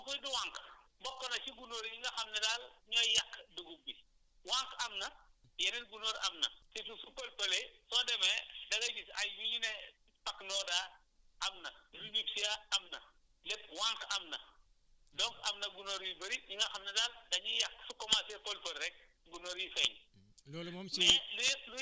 voilà gunóor yu xonq yi du wànq bokk na si gunóor yi nga xam ne daal ñooy yàq dugub ji wànq am na yeneen gunóor am na te suuf su fël-fëlee soo demee da nagy gis ay yi ñuy ne pachnoda am na * am na lépp wànq am na donc am na gunóor yu bëri yi nga xam ne daal dañuy yàq su commencer fël-fël rek gunóor yi feeñ